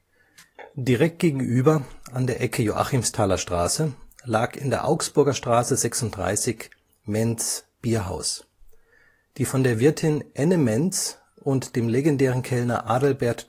Direkt gegenüber, an der Ecke Joachimsthaler Straße, lag in der Augsburger Straße 36 „ Maenz ' Bierhaus “. Die von der Wirtin Änne Maenz und dem legendären Kellner Adalbert